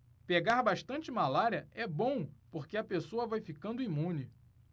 pegar bastante malária é bom porque a pessoa vai ficando imune